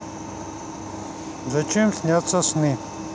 зачем снятся сны